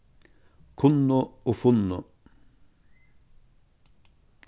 kunnu og funnu